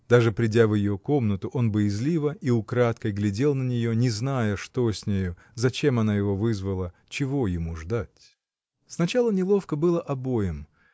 Даже придя в ее комнату, он боязливо и украдкой глядел на нее, не зная, что с нею, зачем она его вызвала, чего ему ждать. Сначала неловко было обоим.